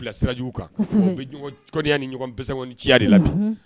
Bilasiraj kan bɛya ni ɲɔgɔn bɛ ni ciya de la